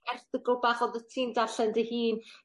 erthygl bach oddet ti'n darllen dy hun